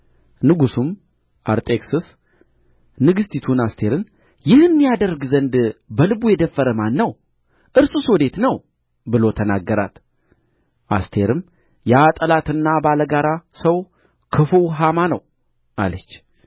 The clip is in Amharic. ንጉሡም አርጤክስስ ንግሥቲቱን አስቴርን ይህን ያደርግ ዘንድ በልቡ የደፈረ ማን ነው እርሱስ ወዴት ነው ብሎ ተናገራት አስቴርም ያ ጠላትና ባለጋራ ሰው ክፉው ሐማ ነው አለች